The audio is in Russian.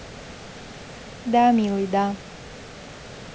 да милый да